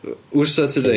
WSA Today.